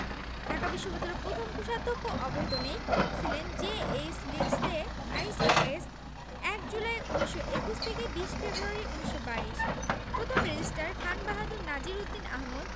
ঢাকা বিশ্ববিদ্যালয়ের প্রথম কোষাধ্যক্ষ অবৈতনিক ছিলেন জে.এইচ লিন্ডসে আইসিএস ১ জুলাই ১৯২১ থেকে ২০ ফেব্রুয়ারি ১৯২২ প্রথম রেজিস্ট্রার খানবাহাদুর নাজির উদ্দিন আহমদ